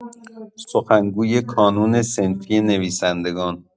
سخنگوی کانون صنفی نویسندگان